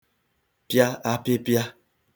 pịa apịpịa